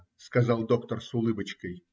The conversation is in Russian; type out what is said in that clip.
сказал доктор с улыбочкой.